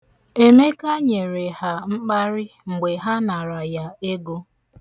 Emeka nyere ha mkparị mgbe ha nara ya ego.